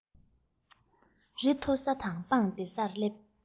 རི མཐོ ས དང སྤང བདེ སར སླེབས